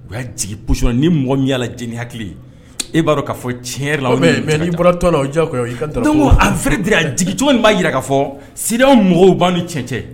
U y'a jigin bo ni mɔgɔ min'la j e b'a dɔn k'a fɔ cɛn la n'i bɔra tɔn o feere de a jigi cogo b'a jira k kaa fɔ si mɔgɔw b'an ni cɛn cɛ